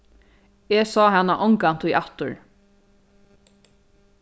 eg sá hana ongantíð aftur